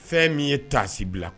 Fɛn min ye tasi bila